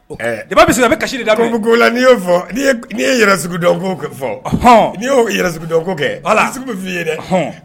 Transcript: Daba bɛ sina bɛ kasi di da ko la n'i y'o fɔ n'i ye yɛrɛ dɔn ko fɔɔn n'i y'o yɛrɛ dɔn ko kɛ' la sigi bɛ f' i ye dɛ hɔn